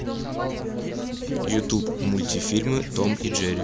ютуб мультфильмы том и джерри